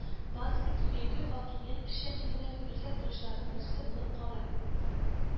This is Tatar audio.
Базасын киңәйтү хакимият эшчәнлегендә көнүзәк бурычларның берсе булып кала